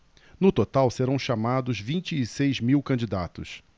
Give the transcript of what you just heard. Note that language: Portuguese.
no total serão chamados vinte e seis mil candidatos